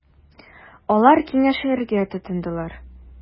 Алар киңәшергә тотындылар.